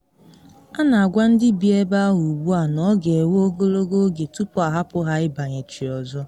A na agwa ndị bi ebe ahụ ugbu a, na ọ ga-ewe ogologo oge tupu ahapụ ha ịbanyechi ọzọ.